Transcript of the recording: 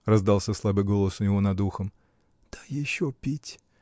— раздался слабый голос у него над ухом. — Дай еще пить.